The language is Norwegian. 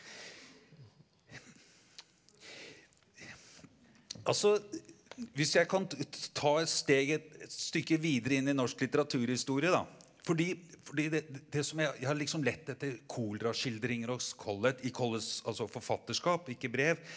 altså hvis jeg kan ta et steg et stykke videre inn i norsk litteraturhistorie da fordi fordi det det som jeg jeg har liksom lett etter koleraskildringer hos Collett i Colletts altså forfatterskap, ikke brev.